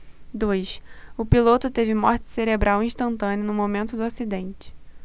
dois o piloto teve morte cerebral instantânea no momento do acidente